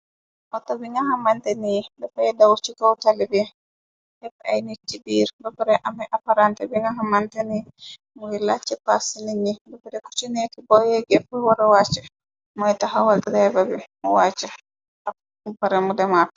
Waxta bi nga xamante nii dafay daw ci kow talibi hepp ay nit ci biir bëpare ame aparante bi nga xamante ni muy lacc pàsci ni ñi bapare ku ci nekki booye gepp wara wacce mooy taxawal greyba bi mu wàcce ab mu pare mu demaapp.